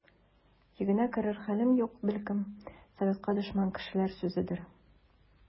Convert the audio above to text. Йөгенә керер хәлем юк, бәлкем, советка дошман кешеләр сүзедер.